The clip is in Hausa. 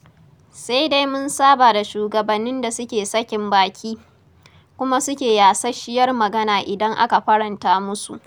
Sai dai mun saba da shugabannin da suke sakin baki, kuma suke yasasshiyar magana idan aka faranta musu.